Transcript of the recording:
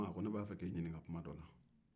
a ko ne b'a fɛ k'i ɲininka kuma dɔ la